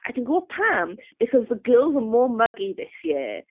A ti'n gwybod pam? Because the girls are more muggy this year.